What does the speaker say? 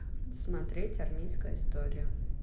смотреть армейская история